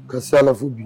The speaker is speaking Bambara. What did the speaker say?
Ka sanfo